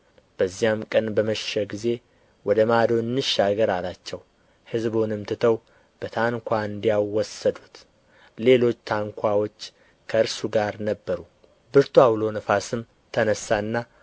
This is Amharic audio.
በዚያም ቀን በመሸ ጊዜ ወደ ማዶ እንሻገር አላቸው ሕዝቡንም ትተው በታንኳ እንዲያው ወሰዱት ሌሎች ታንኳዎችም ከእርሱ ጋር ነበሩ ብርቱ ዐውሎ ነፋስም ተነሣና